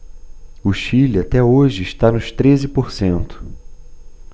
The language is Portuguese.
o chile até hoje está nos treze por cento